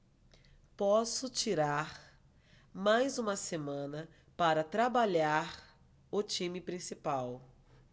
posso tirar mais uma semana para trabalhar o time principal